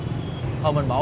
thôi mình bỏ